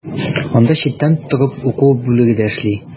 Анда читтән торып уку бүлеге дә эшли.